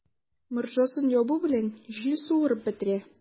Морҗасын ябу белән, җил суырып бетерә.